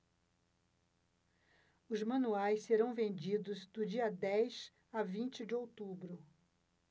os manuais serão vendidos do dia dez a vinte de outubro